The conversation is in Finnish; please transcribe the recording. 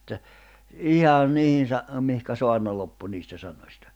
että ihan niihin - mihin saarna loppui niistä sanoista